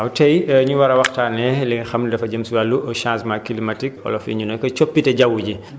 waaw tey ñu war a waxtaanee li nga xam dafa jë si wàllu changement climatique olof yi ñu ne ko coppite jaww ji